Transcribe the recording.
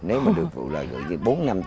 nếu mà được vụ lợi nhuận như bốn năm tấn